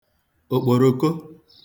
òkpòròko